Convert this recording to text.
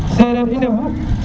sereer i ndefu